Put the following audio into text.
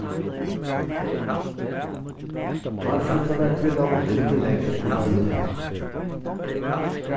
hárfríðkanarkvinnan klippir negl hvønn dag